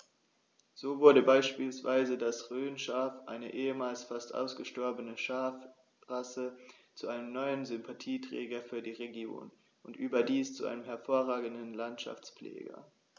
So wurde beispielsweise das Rhönschaf, eine ehemals fast ausgestorbene Schafrasse, zu einem neuen Sympathieträger für die Region – und überdies zu einem hervorragenden Landschaftspfleger.